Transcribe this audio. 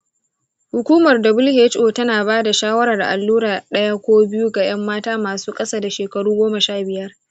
hukumar who tana ba da shawarar allura ɗaya ko biyu ga ‘yan mata masu ƙasa da shekaru goma sha biyar.